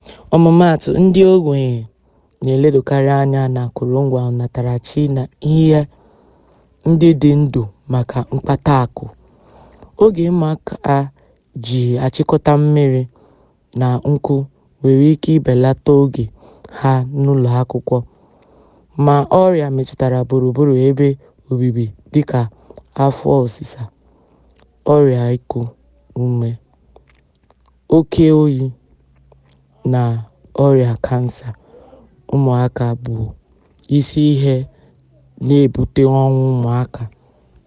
Ọmụmaatụ, ndị ogbenye na-eledokarị anya n'akụrụngwa ọnatarachi na ihe ndị dị ndụ maka mkpataakụ; oge ụmụaka ji achịkọta mmiri na nkụ nwere ike ibelata oge ha n'ụlọakwụkwọ; ma ọrịa metụtara gburugburu ebe obibi dịka afọ ọsịsa, ọrịa iku ume, oké oyi na ọrịa kansa ụmụaka bụ isi ihe na-ebute ọnwụ ụmụaka.